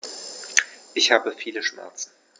Ich habe viele Schmerzen.